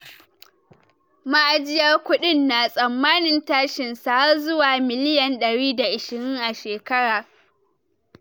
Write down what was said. Ma’ajiyar kudin na tsammanin tashin sa har zuwa miliyan £120 a shekara.